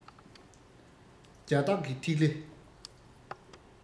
རྒྱ སྟག གི ཐིག ལེ